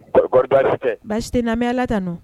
Tɛ baasite tɛ namɛyala ka nɔ